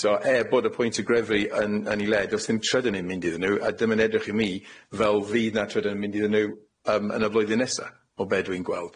So, er bod y pwyntie gwefru yn yn i le, do's ddim trydan yn mynd iddyn nw, a dio'm yn edrych i mi fel fydd 'na trydan yn mynd iddyn nw yym yn y flwyddyn nesa, o be' dwi'n gweld.